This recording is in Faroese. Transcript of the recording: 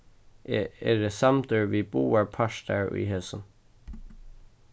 eg eri samdur við báðar partar í hesum